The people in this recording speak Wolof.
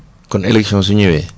kon élection su ñëwee